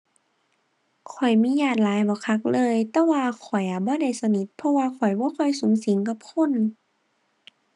ข้อยมีญาติหลายบักคักเลย แต่ว่าข้อยอะบ่ได้สนิท เพราะว่าข้อยบ่ค่อยสุงสิงกับคน